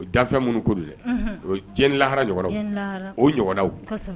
O dafɛn minnu ko dɛ diɲɛ lahara ɲɔgɔnw o ɲdaw